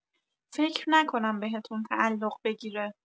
فکر نکنم بهتون تعلق بگیره